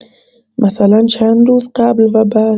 مثلا چند روز قبل و بعد؟